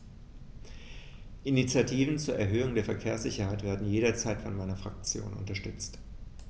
Initiativen zur Erhöhung der Verkehrssicherheit werden jederzeit von meiner Fraktion unterstützt.